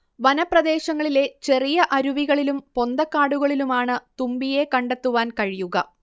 വനപ്രദേശങ്ങളിലെ ചെറിയ അരുവികളിലും പൊന്തക്കാടുകളിലുമാണ് തുമ്പിയെ കണ്ടെത്തുവാൻ കഴിയുക